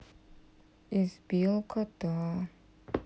избил кота